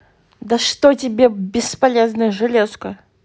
да что тебе бесполезная железка